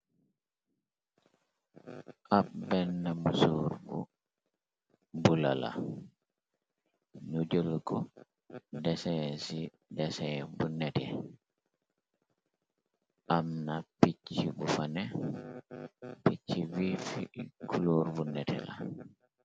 Ab benn mu suur bu bu lala ñu jël ko desen ci desen bu neti am na picc bu fane picc wif cluur bu neti la.